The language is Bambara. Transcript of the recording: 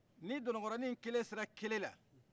ni dundunkɔrɔnin kelen sera kenen na